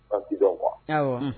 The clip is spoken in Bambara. dɔn quoi